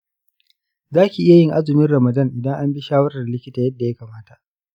za ki iya yin azumin ramadan idan an bi shawarar likita yadda ya kamata.